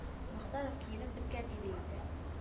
Мохтаров киенеп беткән иде инде